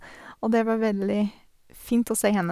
Og det var veldig fint å se henne.